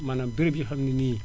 maanaam béréb yi nga xam ne nii